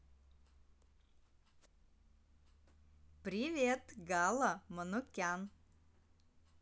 привет гала манукян